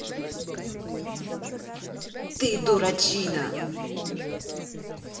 ты дурачина